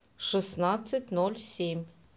шестнадцать ноль семь